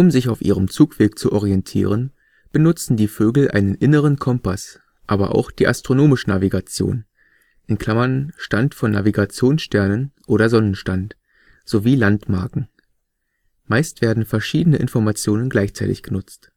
sich auf ihrem Zugweg zu orientieren, benutzen die Vögel einen „ inneren Kompass “, aber auch die astronomische Navigation (Stand von Navigationssternen oder Sonnenstand) sowie Landmarken. Meist werden verschiedene Informationen gleichzeitig genutzt